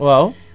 waaw